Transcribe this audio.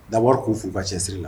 D'abord k'u f'u ka cɛsiri la